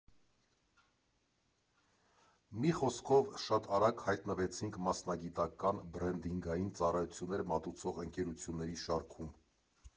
Մի խոսքով, շատ արագ հայտնվեցինք մասնագիտական բրենդինգային ծառայություններ մատուցող ընկերությունների շարքում։